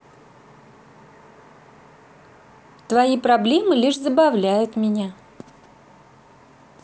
твои проблемы лишь забавляют меня